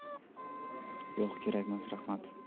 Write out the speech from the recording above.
yo'q kerakmas rahmat